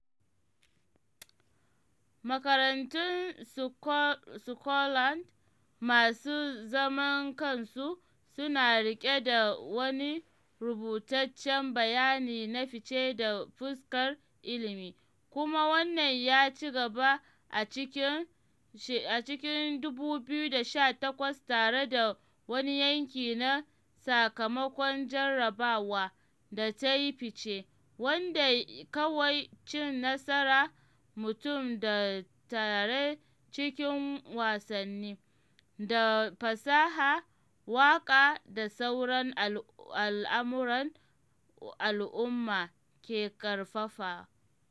Makarantun Scotland masu zaman kansu suna riƙe da wani rubutaccen bayani na fice ta fuskar ilmi, kuma wannan ya ci gaba a cikin 2018 tare da wani yanki na sakamakon jarrabawa da ta yi fice, wanda kawai cin nasara mutum da ta tare cikin wasanni, da fasaha, waƙa da sauran al’amuran al’umma ke ƙarfafawa.